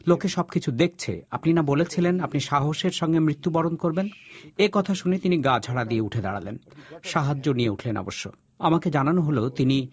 লোকে সবকিছু দেখছে আপনি না বলেছিলেন আপনি সাহসের সঙ্গে মৃত্যুবরণ করবেন একথা শুনে তিনি গা ঝাড়া দিয়ে উঠে দাঁড়ালেন সাহায্য নিয়ে উঠলেন অবশ্য আমাকে জানানো হলো তিনি